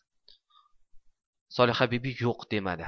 solihabibi yo'q demadi